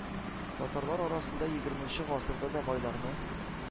Татарлар арасында егерменче гасырда да байларны,